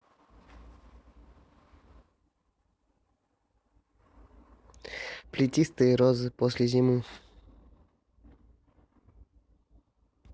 плетистые розы после зимы